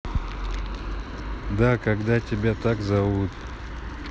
да когда тебя так зовут